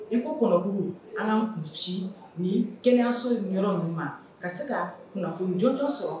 I ko kɔnɔbugu kun ni kɛnɛyayaso ɲɔgɔn min ma ka se ka kunnafonijya sɔrɔ